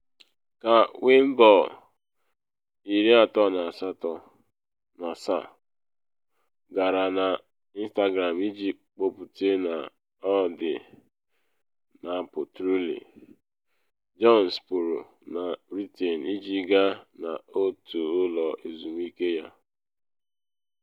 Ka Willoughby, 37, gara na Instagram iji kwupute na ọ na apụ Truly, Jones pụrụ na Britain iji gaa n’otu ụlọ ezumike ya.